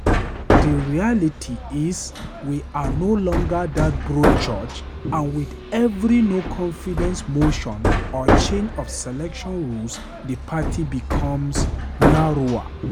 The reality is we are no longer that broad church and with every "no-confidence" motion or change of selection rules the party becomes narrower.